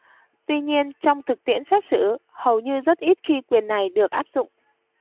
tuy nhiên trong thực tiễn xét xử hầu như rất ít khi quyền này được áp dụng